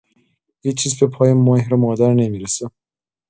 هیچ‌چیز به پای مهر مادر نمی‌رسه.